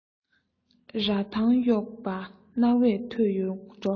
ར ཐང གཡོགས པ རྣ བས ཐོས ཡོད འགྲོ